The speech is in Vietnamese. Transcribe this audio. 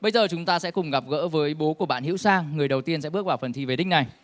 bây giờ chúng ta sẽ cùng gặp gỡ với bố của bạn hữu sang người đầu tiên sẽ bước vào phần thi về đích này